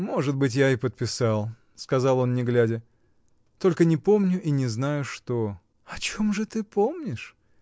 — Может быть, я и подписал, — сказал он, не глядя, — только не помню и не знаю что. — О чем же ты помнишь?